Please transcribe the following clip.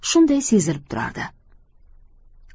shunday sezilib turardi